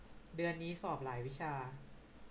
เดือนนี้สอบหลายวิชา